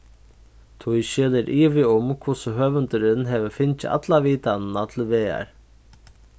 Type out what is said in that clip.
tískil er ivi um hvussu høvundurin hevur fingið alla vitanina til vegar